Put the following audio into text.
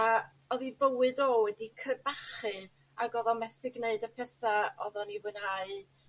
a odd 'i fywyd o wedi crebachu ag odd o methu gneud y petha' odd o'n i fwynhau